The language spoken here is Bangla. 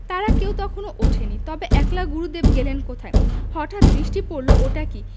তারা কেউ তখনও ওঠেনি তবে একলা গুরুদেব গেলেন কোথায় হঠাৎ দৃষ্টি পড়ল ওটা কি